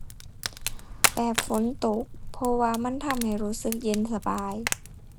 แบบฝนตก เพราะว่ามันทำให้รู้สึกเย็นสบาย